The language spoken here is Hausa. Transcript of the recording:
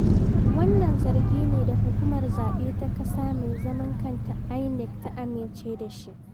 Wannan zargi ne da hukumar zaɓe ta ƙasa mai zaman kanta (INEC) ta amince da shi.